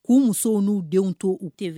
K'u musow n'u denw to u tɛ fɛ